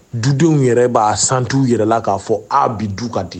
Dudenw yɛrɛ ba santuw yɛrɛ la ka fɔ , a bi du ka di.